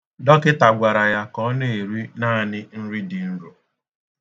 Dọkita gwara ya ka ọ na-eri naanị nri dị nro.